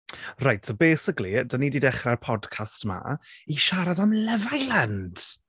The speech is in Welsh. Reit so basically dan ni 'di dechrau'r podcast 'ma i siarad am Love Island.